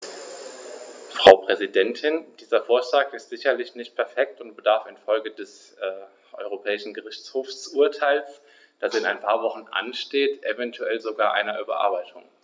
Frau Präsidentin, dieser Vorschlag ist sicherlich nicht perfekt und bedarf in Folge des EuGH-Urteils, das in ein paar Wochen ansteht, eventuell sogar einer Überarbeitung.